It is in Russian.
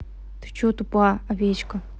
ты че тупая овца